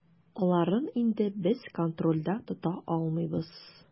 Аларын инде без контрольдә тота алмыйбыз.